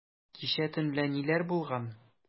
Кичә төнлә ниләр булган?